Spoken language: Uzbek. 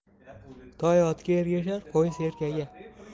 toy otga ergashar qo'y serkaga